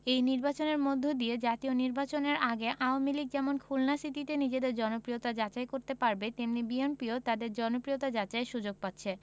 এই নির্বাচনের মধ্য দিয়ে জাতীয় নির্বাচনের আগে আওয়ামী লীগ যেমন খুলনা সিটিতে নিজেদের জনপ্রিয়তা যাচাই করতে পারবে তেমনি বিএনপিও তাদের জনপ্রিয়তা যাচাইয়ের সুযোগ পাচ্ছে